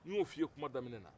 n y'o f''i ye kuman daminɛ na